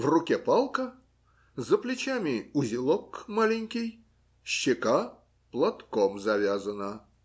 в руке палка, за плечами узелок маленький, щека платком завязана.